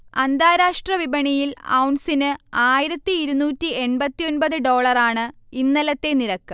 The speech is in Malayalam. അന്താരാഷ്ര്ട വിപണിയിൽ ഔൺസിന് ആയിരത്തി ഇരുന്നൂറ്റി എൺപത്തി ഒൻപത് ഡോളറാണ് ഇന്നലത്തെ നിരക്ക്